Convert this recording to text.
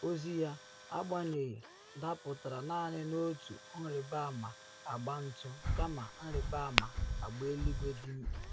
Ozi ya, agbanyeghị, dapụtara naanị n’otu nrịbama agba ntụ, kama nrịbama agba eluigwe dị mkpị.